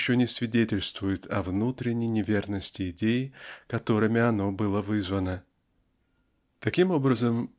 еще не свидетельствует о внутренней неверности идей которыми оно было вызвано. Таким образом